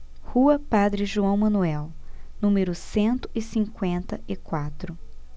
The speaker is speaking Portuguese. rua padre joão manuel número cento e cinquenta e quatro